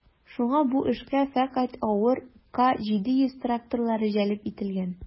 Шуңа бу эшкә фәкать авыр К-700 тракторлары җәлеп ителгән.